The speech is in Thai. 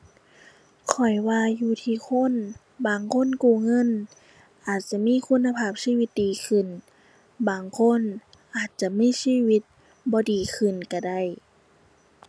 ข้อยว่าอยู่ที่คน บางคนกู้เงินอาจจะมีคุณภาพชีวิตดีขึ้น บางคนอาจจะมีชีวิตบ่ดีขึ้นก็ได้